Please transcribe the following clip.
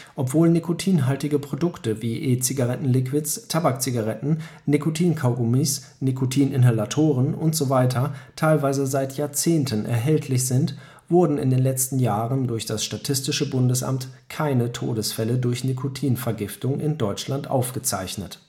Obwohl nikotinhaltige Produkte wie E-Zigarettenliquids, Tabakzigaretten, Nikotinkaugummis, Nikotininhalatoren usw. teilweise seit Jahrzehnten erhältlich sind, wurden in den letzten Jahren durch das Statistische Bundesamt keine Todesfälle durch Nikotinvergiftung in Deutschland aufgezeichnet